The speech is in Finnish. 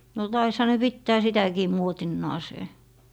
no taisihan ne pitää sitäkin muotinansa